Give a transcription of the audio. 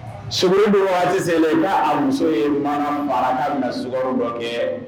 Suguri dunwagati selen ko a muso ye mana fara k'a bɛna sugaro dɔ kɛ